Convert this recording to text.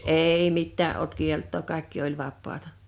ei mitään ollut kieltoa kaikki oli vapaata